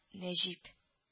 Нәҗип